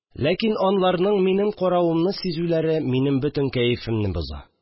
Ләкин анларның минем каравымны сизүләре минем бөтен кәефемне боза